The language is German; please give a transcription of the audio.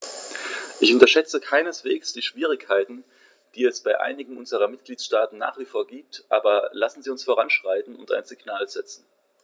Ich unterschätze keineswegs die Schwierigkeiten, die es bei einigen unserer Mitgliedstaaten nach wie vor gibt, aber lassen Sie uns voranschreiten und ein Signal setzen.